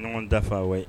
Ɲɔŋɔn dafa ouai